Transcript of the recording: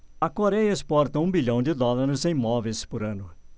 a coréia exporta um bilhão de dólares em móveis por ano